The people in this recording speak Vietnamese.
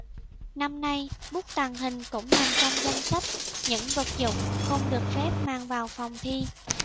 năm nay bút tàng hình cũng nằm trong danh sách những vật dụng không được phép mang vào phòng thi